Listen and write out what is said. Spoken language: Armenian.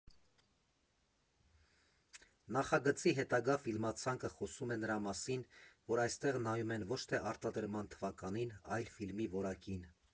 Նախագծի հետագա ֆիլմացանկը խոսում է նրա մասին, որ այստեղ նայում են ոչ թե արտադրման թվականին, այլ ֆիլմի որակին.